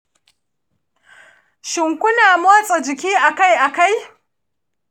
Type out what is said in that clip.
shin, kuna yin motsa jiki akai-akai?